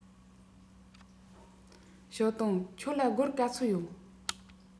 ཞའོ ཏུང ཁྱོད ལ སྒོར ག ཚོད ཡོད